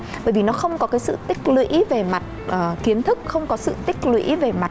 bởi vì nó không có sự tích lũy về mặt ở kiến thức không có sự tích lũy về mặt